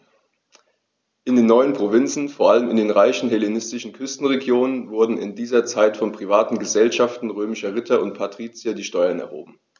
In den neuen Provinzen, vor allem in den reichen hellenistischen Küstenregionen, wurden in dieser Zeit von privaten „Gesellschaften“ römischer Ritter und Patrizier die Steuern erhoben.